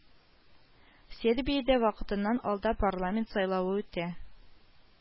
Сербиядә вакытыннан алда парламент сайлавы үтә